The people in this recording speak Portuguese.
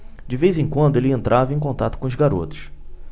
de vez em quando ele entrava em contato com os garotos